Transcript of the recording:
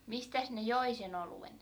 mistäs ne joi sen oluen